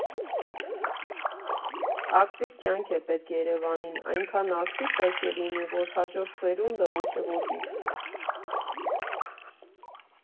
Ակտիվ կյանք է պետք Երևանին, այնքան ակտիվ պետք է լինի, որ հաջորդ սերունդը ոգևորվի։